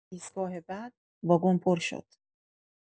ایستگاه بعد، واگن پر شد.